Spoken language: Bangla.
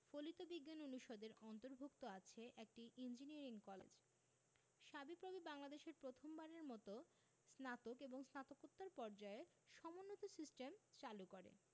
ফলিত বিজ্ঞান অনুষদের অন্তর্ভুক্ত আছে একটি ইঞ্জিনিয়ারিং কলেজ সাবিপ্রবি বাংলাদেশে প্রথম বারের মতো স্নাতক এবং স্নাতকোত্তর পর্যায়ে সমন্বিত সিস্টেম চালু করে